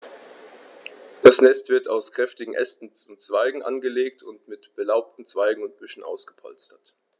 Das Nest wird aus kräftigen Ästen und Zweigen angelegt und mit belaubten Zweigen und Büscheln ausgepolstert.